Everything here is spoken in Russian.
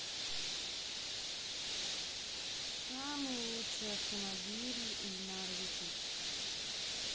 самый лучший автомобиль ильнар ютуб